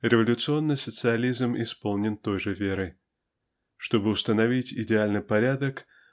Революционный социализм исполнен той же веры. Чтобы установить идеальный порядок